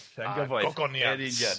Yn gyfoeth. A Gogoniant. Yn union.